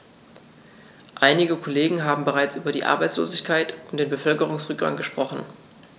Einige Kollegen haben bereits über die Arbeitslosigkeit und den Bevölkerungsrückgang gesprochen.